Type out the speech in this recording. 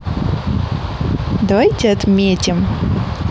давайте отметим